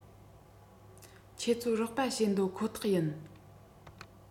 ཁྱེད ཚོ རོགས པ བྱེད འདོད ཁོ ཐག ཡིན